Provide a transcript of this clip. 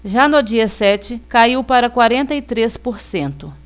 já no dia sete caiu para quarenta e três por cento